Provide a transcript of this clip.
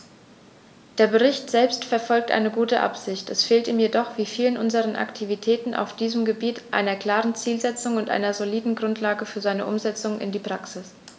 Der Bericht selbst verfolgt eine gute Absicht, es fehlt ihm jedoch wie vielen unserer Aktivitäten auf diesem Gebiet an einer klaren Zielsetzung und einer soliden Grundlage für seine Umsetzung in die Praxis.